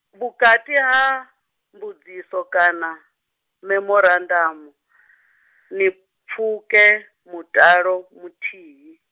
vhukati ha, mbudziso kana, memorandamu, ni pfuke, mutalo, muthihi.